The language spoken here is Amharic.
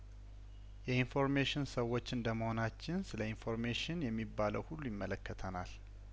የኢንፎርሜሽን ሰዎች እንደመሆናችን ስለኢንፎርሜሽን የሚባለው ሁሉ ይመለከተናል